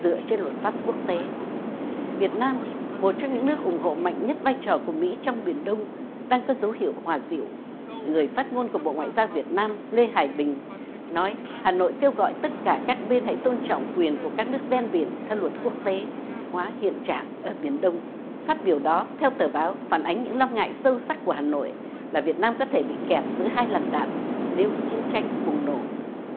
dựa trên luật pháp quốc tế việt nam một trong những nước ủng hộ mạnh nhất vai trò của mỹ trong biển đông đang có dấu hiệu hòa dịu người phát ngôn của bộ ngoại giao việt nam lê hải bình nói hà nội kêu gọi tất cả các bên hãy tôn trọng quyền của các nước ven biển theo luật quốc tế hóa hiện trạng ở biển đông phát biểu đó theo tờ báo phản ánh những lo ngại sâu sắc của hà nội là việt nam có thể bị kẹt giữa hai làn đạn nếu chiến tranh bùng nổ